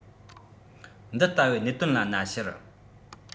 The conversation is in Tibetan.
འདི ལྟ བུའི གནད དོན ལ ན ཕྱུར